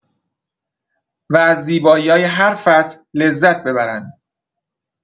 و از زیبایی‌های هر فصل لذت ببرن.